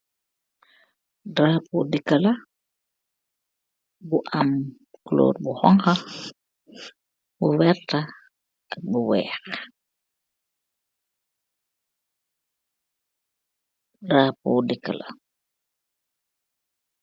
Darapo deykaa bu amm kulor bu weerta ak lu hougka.